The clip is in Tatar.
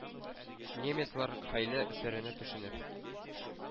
Немецлар хәйлә серенә төшенеп,